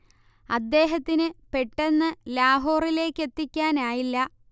അദ്ദേഹത്തിന് പെട്ടെന്ന് ലാഹോറിലേക്കെത്തിക്കാനായില്ല